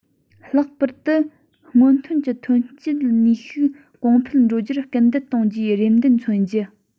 ལྷག པར དུ སྔོན ཐོན གྱི ཐོན སྐྱེད ནུས ཤུགས གོང འཕེལ འགྲོ རྒྱུར སྐུལ འདེད གཏོང རྒྱུའི རེ འདུན མཚོན རྒྱུ